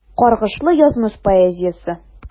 Каргышлы язмыш поэзиясе.